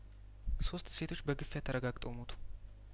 ሶስት ሴቶች በግ ፊያተ ረጋግጠው ሞቱ